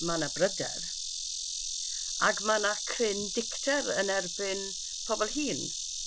ma' 'na bryder ag ma' 'na cryn dicter yn erbyn pobol hŷn.